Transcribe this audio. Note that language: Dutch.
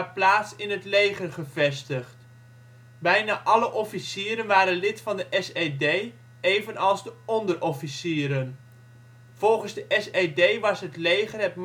plaats in het leger gevestigd. Bijna alle officieren waren lid van de SED, evenals de onderofficieren. Volgens de SED was het leger het